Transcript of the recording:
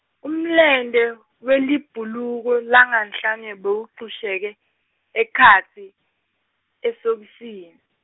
umlente welibhuluko wanganhlanye bewugcushwe ge-, ekhatsi esokisini.